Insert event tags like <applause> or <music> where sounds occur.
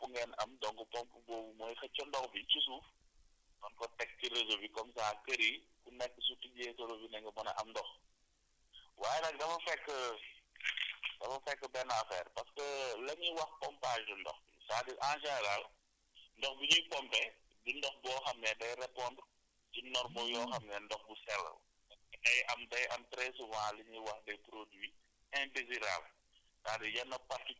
du forage moom léegi pompe ngeen am donc pompe boobu mooy xëcce ndox bi ci suuf man ko teg ci réseau bi comme ça kër yi ku nekk su tijjee sa robinet nga mën a am ndox waaye nag dafa fekk <noise> dafa fekk benn affaire parce que la ~uy wax pompage ndox c' est à dire en général ndox bu ñuy pompé du ndox boo xam ne day répondre ci norme <noise> yoo xam ne ndox bu sell day am day am très souvent lu ñuy wax des produits indésirables